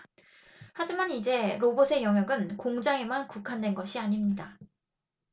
하지만 이제 로봇의 영역은 공장에만 국한된 것이 아닙니다